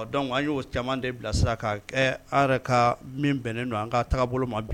Dɔnku an y'o caman de bilasira ka yɛrɛ ka min bɛnnen don an ka taabolo bolo ma bi